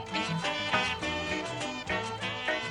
San wa yo